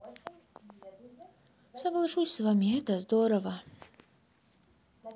соглашусь с вами это здорово